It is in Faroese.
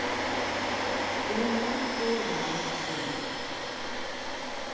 uni dugir væl at svimja